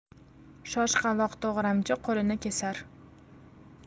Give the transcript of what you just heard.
shoshqaloq to'g'ramchi qo'lini kesar